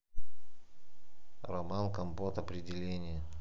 роман компот определение